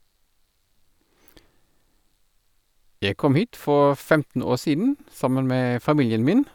Jeg kom hit for femten år siden sammen med familien min.